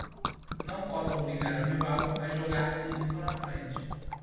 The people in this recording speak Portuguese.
não posso obrigar o rivaldo a jogar fixo na frente